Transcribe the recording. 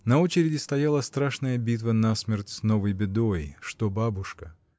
На очереди стояла страшная битва насмерть с новой бедой: что бабушка?